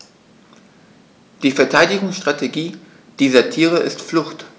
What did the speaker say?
Die Verteidigungsstrategie dieser Tiere ist Flucht.